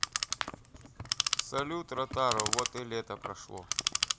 салют ротару вот и лето прошло